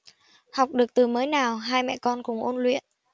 học được từ mới nào hai mẹ con cùng ôn luyện